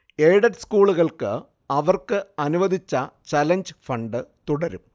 aided സ്കൂളുകൾക്ക് അവർക്ക് അനുവദിച്ച ചലഞ്ച് ഫണ്ട് തുടരും